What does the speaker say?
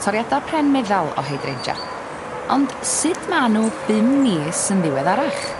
Toriada pren meddal o hydrangea ond sud ma' n'w bum mis yn ddiweddarach?